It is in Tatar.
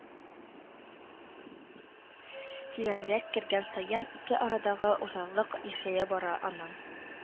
Тирәнрәк кергән саен, ике арадагы уртаклык ишәя бара, аның